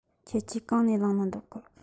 ཁྱེད ཆོས གང ནས བླངས ན འདོད གི